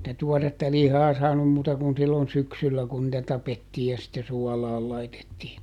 sitä tuoretta lihaa saanut muuta kuin silloin syksyllä kun niitä tapettiin ja sitten suolaan laitettiin